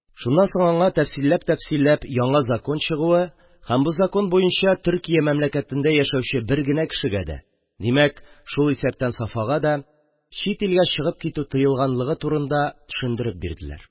Шуннан соң аңа, тәфсилләп-тәфсилләп, яңа закон чыгуы һәм бу закон буенча Төркия мәмләкәтендә яшәүче бер генә кешегә дә – димәк, шул исәптән Сафага да, – чит илгә чыгып китү тыелганлыгы турында төшендереп бирделәр.